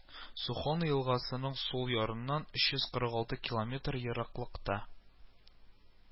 Сухона елгасының сул ярыннан өч йөз кырык алты километр ераклыкта